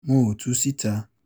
Mo ‘ò tu síta.”